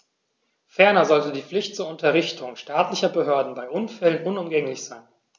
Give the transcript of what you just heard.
Ferner sollte die Pflicht zur Unterrichtung staatlicher Behörden bei Unfällen unumgänglich sein.